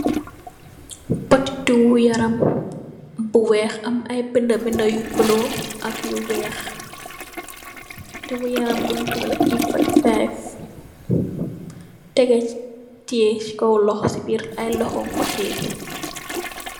Poti dewi yaram bu amm binda binda bu blue ak bu weh. Dewi yaram b mungi tuda e45. Tegeh c kaw loho